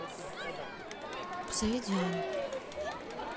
позови диану